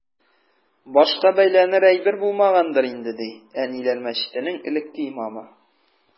Башка бәйләнер әйбер булмагангадыр инде, ди “Әниләр” мәчетенең элекке имамы.